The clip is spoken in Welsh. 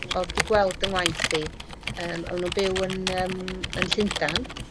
odd 'di gweld 'yn ngwaith i yym o'n nw'n byw yn yym yn Llundan.